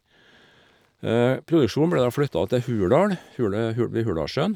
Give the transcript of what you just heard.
Produksjonen ble da flytta til Hurdal, hule hul ved Hurdalssjøen.